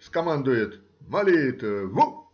скомандует: Молит-в-у-у!